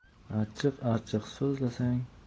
achchiq achchiq so'zlasang